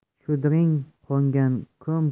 shudring qo'ngan ko'm